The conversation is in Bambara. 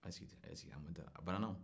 a sigi a sigi ten to a banana